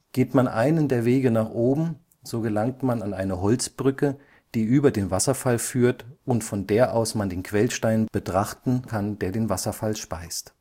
Geht man einen der Wege nach oben, so gelangt man an eine Holzbrücke, die über den Wasserfall führt und von der aus man den Quellstein betrachten kann, der den Wasserfall speist